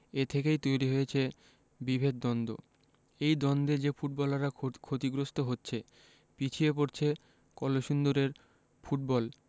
এ থেকেই তৈরি হয়েছে বিভেদ দ্বন্দ্ব এই দ্বন্দ্বে যে ফুটবলাররা ক্ষ ক্ষতিগ্রস্ত হচ্ছে পিছিয়ে পড়ছে কলসিন্দুরের ফুটবল